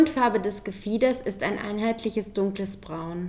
Grundfarbe des Gefieders ist ein einheitliches dunkles Braun.